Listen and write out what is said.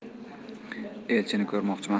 elchini ko'rmoqchiman